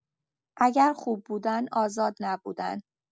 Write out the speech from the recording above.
اگر خوب بودن آزاد نبودن